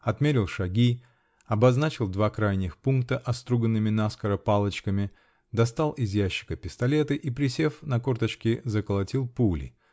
отмерил шаги, обозначил два крайних пункта оструганными наскоро палочками, достал из ящика пистолеты и, присев на корточки, заколотил пули